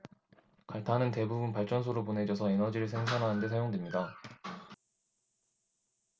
갈탄은 대부분 발전소로 보내져서 에너지를 생산하는 데 사용됩니다